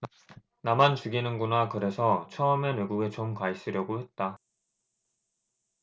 나만 죽이는 구나 그래서 처음엔 외국에 좀 가있으려고 했다